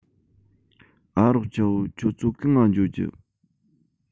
ཨ རོགས ཆ བོ ཁྱོད ཚོ གང ང འགྱོ རྒྱུ